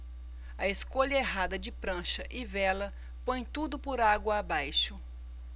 a escolha errada de prancha e vela põe tudo por água abaixo